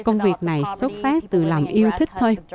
công việc này xuất phát từ lòng yêu thích thôi